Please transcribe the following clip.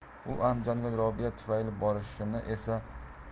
u andijonga robiya tufayli borishini